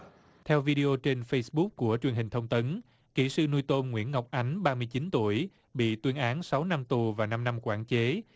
theo vi đê ô trên phây búc của truyền hình thông tấn kỹ sư nuôi tôm nguyễn ngọc ánh ba mươi chín tuổi bị tuyên án sáu năm tù và năm năm quản chế